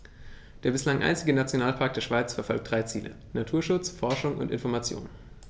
Der bislang einzige Nationalpark der Schweiz verfolgt drei Ziele: Naturschutz, Forschung und Information.